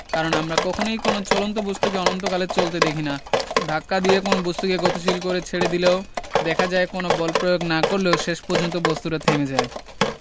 কারণ আমরা কখনোই কোনো চলন্ত বস্তুকে অনন্তকালে চলতে দেখি না ধাক্কা দিয়ে কোনো বস্তুকে গতিশীল করে ছেড়ে দিলেও দেখা যায় কোনো বল প্রয়োগ না করলেও শেষ পর্যন্ত বস্তুটা থেমে যায়